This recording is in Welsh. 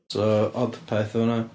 So... Odpeth odd hwnna.